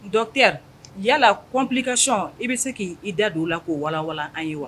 Dɔc kɛra yalala kɔnmp kasɔn i bɛ se k' i da don la k koo walanlan an ye wa